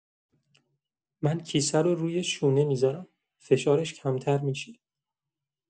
من کیسه رو روی شونه می‌ذارم، فشارش کمتر می‌شه.